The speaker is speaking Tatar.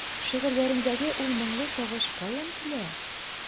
Шигырьләреңдәге ул моңлы сагыш каян килә?